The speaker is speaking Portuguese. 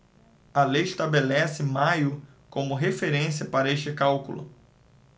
a lei estabelece maio como referência para este cálculo